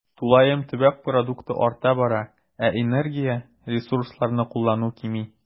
Тулаем төбәк продукты арта бара, ә энергия, ресурсларны куллану кими.